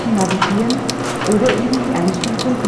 navigieren oder eben die Einstufung